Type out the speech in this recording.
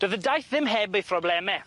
Do'dd y daith ddim heb ei phrobleme.